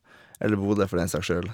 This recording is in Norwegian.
Eller Bodø for den saks skyld.